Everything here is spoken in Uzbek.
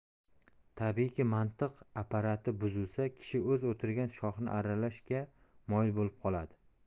tabiiyki mantiq apparati buzilsa kishi o'zi o'tirgan shoxni arralash ga moyil bo'lib qoladi